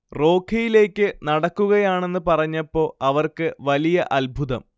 റോഘിയിലേക്ക് നടക്കുകയാണെന്ന് പറഞ്ഞപ്പോ അവർക്ക് വലിയ അത്ഭുതം